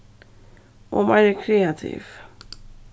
og meiri kreativ